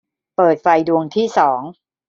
เปิดไฟดวงที่สอง